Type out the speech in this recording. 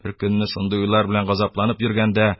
Беркөнне шундый уйлар белән газапланып йөргәндә,